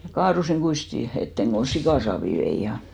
ja kaaduin kuistin eteen kun sikasaavia vein ja